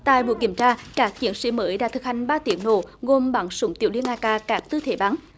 tại buổi kiểm tra các chiến sĩ mới đã thực hành ba tiếng nổ gồm bắn súng tiểu liên a ka các tư thế bắn